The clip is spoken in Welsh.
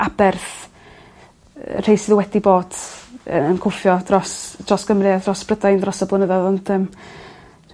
aberth yy y rhei sydd wedi bot yy yn cwffio dros dros Gymru a thros Brydain dros y blynyddoedd on yym